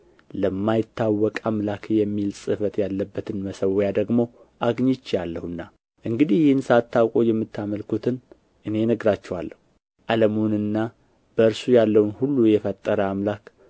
ለማይታወቅ አምላክ የሚል ጽሕፈት ያለበትን መሠዊያ ደግሞ አግኝቼአለሁና እንግዲህ ይህን ሳታውቁ የምታመልኩትን እኔ እነግራችኋለሁ ዓለሙንና በእርሱ ያለውን ሁሉ የፈጠረ አምላክ